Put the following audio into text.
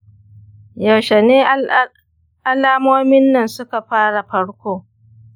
yaushe ne alamomin nan suka fara farko?